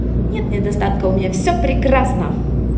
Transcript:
нет недостатка у меня все прекрасно